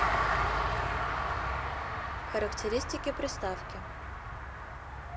характеристики приставки